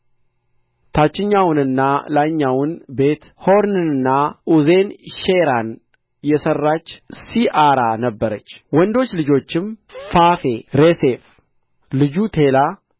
ታችኛውንና ላይኛውን ቤትሖሮንንና ኡዜንሼራን የሠራች ሲአራ ነበረች ወንዶች ልጆቹም ፋፌ ሬሴፍ ልጁ ቴላ